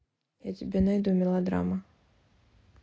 я тебя найду мелодрама